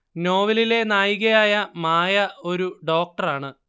നോവലിലെ നായികയായ മായ ഒരു ഡോക്ടറാണ്